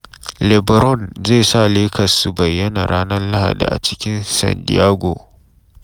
LeBron zai sa Lakers su bayyana ranar Lahdi a cikin San Diego